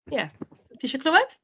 Ie, ti isie clywed?